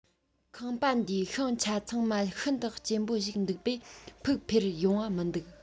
ཁང པ འདིའི ཤིང ཆ ཚང མ ཤིན ཏུ གཅེམ པོ ཞིག འདུག པས ཕུགས འཕེར ཡོང བ མི འདུག